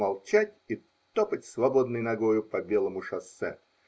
Молчать и топать свободной ногою по белому шоссе.